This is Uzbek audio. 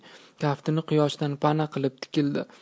kaftini quyoshdan pana qilib tikildi